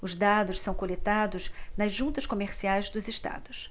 os dados são coletados nas juntas comerciais dos estados